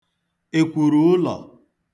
èkwùrụ̀ụlọ̀